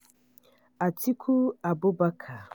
Atiku Abubakar